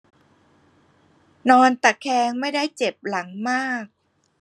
นอนตะแคงไม่ได้เจ็บหลังมาก